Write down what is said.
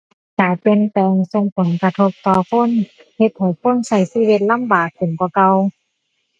กาศเปลี่ยนแปลงส่งผลกระทบต่อคน เฮ็ดให้คนใช้ชีวิตลำบากขึ้นกว่าเก่า